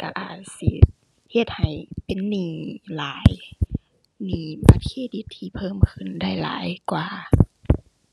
ก็อาจสิ เฮ็ดให้เป็นหนี้หลาย หนี้บัตรเครดิตที่เพิ่มขึ้นได้หลายกว่า